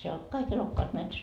siellä oli kaikki elokkaat metsässä